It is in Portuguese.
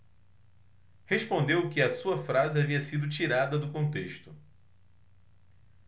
respondeu que a sua frase havia sido tirada do contexto